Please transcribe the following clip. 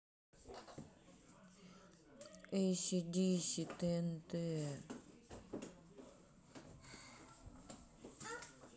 эйси диси тнт